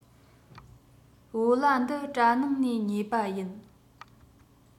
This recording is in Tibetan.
བོད ལྭ འདི གྲ ནང ནས ཉོས པ ཡིན